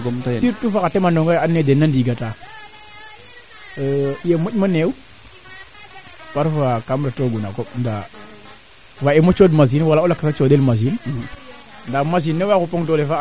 ndaa o qol le jooro a dose ba naan sep wala a yipe fumier baa nan sep tension ne fumier fee koy leyma xatoor plastique fee kam fee fat wiin we sutan puus kene yiin plastique kiin kute waag na waago ref kam suq fee